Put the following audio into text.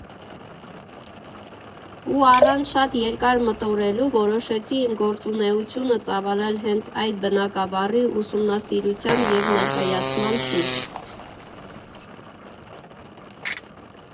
Ու առանց շատ երկար մտորելու, որոշեցի իմ գործունեությունը ծավալել հենց այդ բնագավառի ուսումնասիրության և ներկայացման շուրջ։